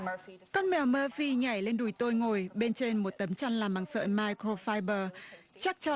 con mèo ma phi nhảy lên đùi tôi ngồi bên trên một tấm chăn làm bằng sợi micro phai bờ chắc chăn